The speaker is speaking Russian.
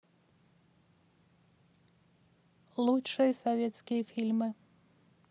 лучшие советские фильмы